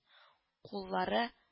Куллары